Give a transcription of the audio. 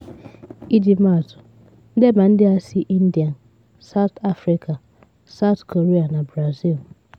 Iji maa atụ, ndeba ndị a si India, South Afrịka, South Korea na Brazil.